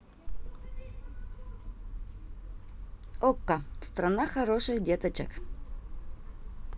okko страна хороших деточек